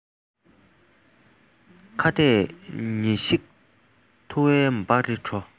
ཁྭ ཏས ཉི ཤིག འཐུ བ བག རེ དྲོ